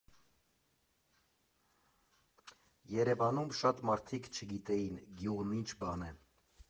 Երևանում շատ մարդիկ չգիտեին՝ գյուղն ինչ բան է։